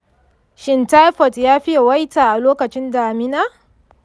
shin typhoid ya fi yawaita a lokacin damina?